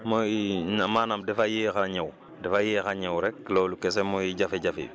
mooy na maanaam dafay yéex a ñëw dafay yéex a ñëw rek loolu kese mooy jafe-jafe bi